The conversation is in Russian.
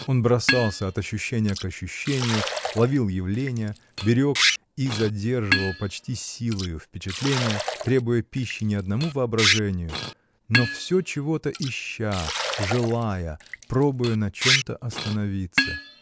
Он бросался от ощущения к ощущению, ловил явления, берег и задерживал почти силою впечатления, требуя пищи не одному воображению, но всё чего-то ища, желая, пробуя на чем-то остановиться.